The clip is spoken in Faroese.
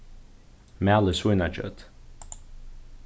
malið svínakjøt